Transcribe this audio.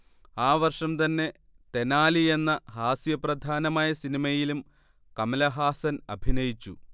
ആ വർഷം തന്നെ തെനാലി എന്ന ഹാസ്യപ്രധാനമായ സിനിമയിലും കമലഹാസൻ അഭിനയിച്ചു